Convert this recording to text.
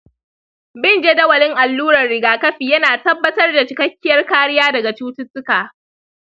bin jadawalin allurar rigakafi yana tabbatar da cikakkiyar kariya daga cututtuka.